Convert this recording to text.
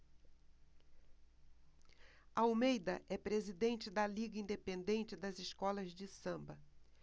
almeida é presidente da liga independente das escolas de samba